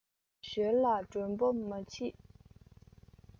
ཞོལ ལ མགྲོན པོ མ མཆིས